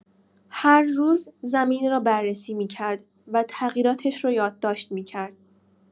هر روز زمین را بررسی می‌کرد و تغییراتش را یادداشت می‌کرد.